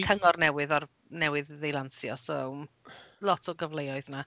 Cyngor newydd ar... newydd ei lansio, so lot o gyfleoedd yna.